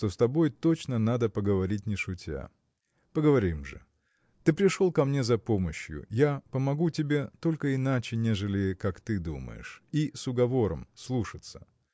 что с тобой точно надо поговорить не шутя. Поговорим же. Ты пришел ко мне за помощью я помогу тебе только иначе нежели как ты думаешь и с уговором – слушаться.